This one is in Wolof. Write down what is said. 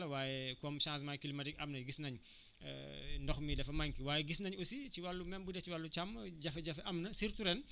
waaye comme changement climatique am na gis nañ ndox mi dafa manqué waaye gis nañu aussi ci wàllu même bu dee si wàllu càmm jafe-jafe am na surtout ren